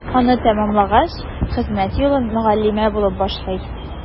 Аны тәмамлагач, хезмәт юлын мөгаллимә булып башлый.